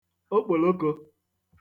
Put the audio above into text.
okpòlokō